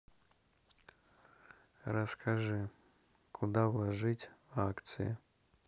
расскажи куда вложить акции